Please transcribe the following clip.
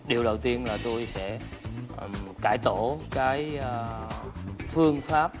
điều đầu tiên là tôi sẽ cải tổ cái phương pháp